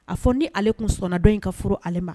A fɔ ni ale tun sɔnnadɔn in ka furu ale ma